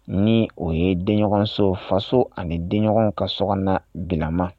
Ni o ye denɲɔgɔnso faso ani denɲɔgɔnw ka sɔkɔɔna bilama